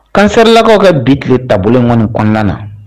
Cancer lakaw ka bi tile ta bolo in kɔni kɔnɔnanan na.